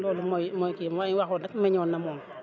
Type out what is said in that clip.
loolu mooy kii mooy kii wax dëgg meññoon na moom